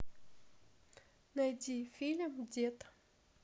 найди фильм дед